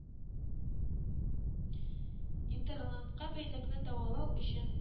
Интернетка бәйлелекне дәвалау өчен